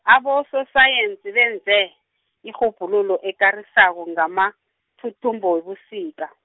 abososayensi benze, irhubhululo ekarisako ngamathuthumbo webusika.